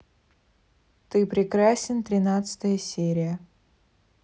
ты прекрасен тринадцатая серия